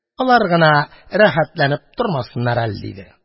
Алар гына рәхәтләнеп тормасыннар әле, – диде.